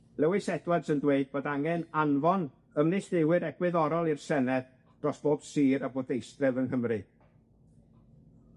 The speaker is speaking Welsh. Lewis Edwards yn dweud bod angen anfon ymneilltuwyr egwyddorol i'r Senedd dros bob sir a bwrdeistref yng Nghymru.